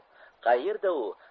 qaerda u